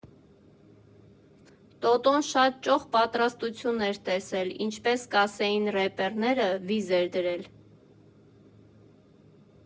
Տոտոն շատ ճոխ պատրաստություն էր տեսել, ինչպես կասեին ռեպերները՝ վիզ էր դրել։